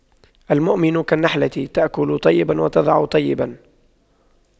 المؤمن كالنحلة تأكل طيبا وتضع طيبا